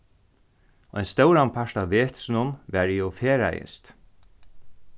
ein stóran part av vetrinum var eg og ferðaðist